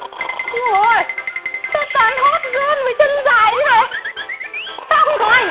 ui ồi ôi sao toàn hót gơn với chân dài